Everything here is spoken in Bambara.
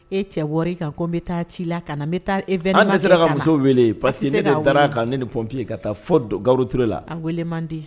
E cɛ bɔra i kan ko n bɛ taa ci la ka na, n bɛ taa evenement an de sera ka muso weelë_ parce ce que _ne de da la a kan ne ni pompier ka taa fɔ Gabuurɲɛl Ture la, a wele man di.